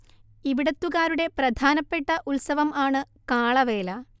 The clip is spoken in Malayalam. ഇവിടുത്തുകാരുടെ പ്രധാനപ്പെട്ട ഉത്സവം ആണ് കാളവേല